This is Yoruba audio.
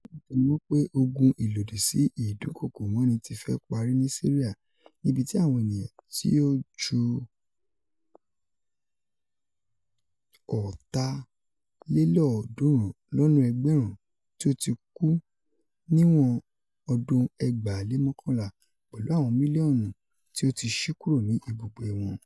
Moualem tẹnumọ pe "ogun ilodisi idunkoko mọni ti fẹ pari" ni Siria, nibiti awọn eniyan ti o ju 360,000 ti o ti kú niwon 2011, pẹlu awọn milionu ti o ti ṣi kúrò ni ibugbe wọn.